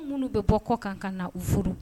U munun bi bɔ kɔ kan ka na u furu.